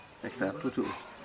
hectare tuutiwul